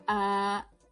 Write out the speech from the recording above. a